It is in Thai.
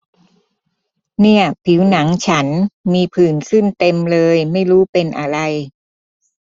เนี่ยผิวหนังฉันมีผื่นขึ้นเต็มเลยไม่รู้เป็นอะไร